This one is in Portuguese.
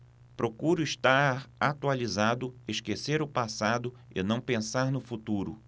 procuro estar atualizado esquecer o passado e não pensar no futuro